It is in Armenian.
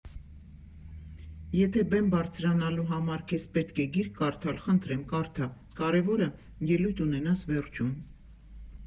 Եթե բեմ բարձրանալու համար քեզ պետք է գիրք կարդալ, խնդրեմ, կարդա, կարևորը՝ ելույթ ունենաս վերջում։